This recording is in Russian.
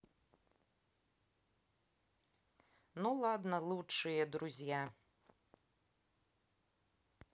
ну ладно лучшие друзья